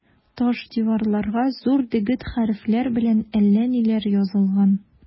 Таш диварларга зур дегет хәрефләр белән әллә ниләр язылган.